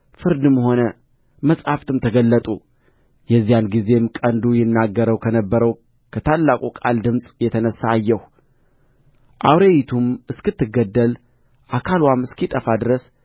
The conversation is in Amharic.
ፍርድም ሆነ መጻሕፍትም ተገለጡ የዚያን ጊዜም ቀንዱ ይናገረው ከነበረው ከታላቁ ቃል ድምፅ የተነሣ አየሁ አውሬይቱም እስክትገደል አካልዋም እስኪጠፋ ድረስ